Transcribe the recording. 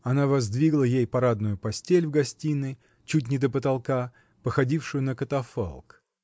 Она воздвигла ей парадную постель в гостиной, чуть не до потолка, походившую на катафалк.